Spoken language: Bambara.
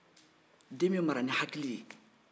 den bɛ mara ni hakili ye